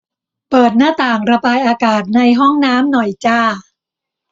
เปิดหน้าต่างระบายอากาศในห้องน้ำหน่อยจ้า